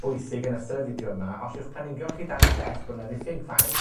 bwysig yn ystod y fideo yma. Os yw'ch planigion chi, dan stress, bo' 'na ddiffyg faeth,